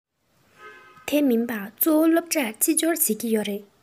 དེ མིན པ གཙོ བོ སློབ གྲྭར ཕྱི འབྱོར བྱེད ཀྱི ཡོད རེད